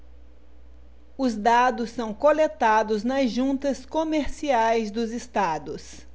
os dados são coletados nas juntas comerciais dos estados